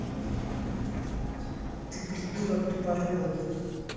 ты придурок тупорылый